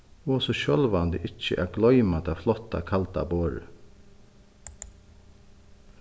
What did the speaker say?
og so sjálvandi ikki at gloyma tað flotta kalda borðið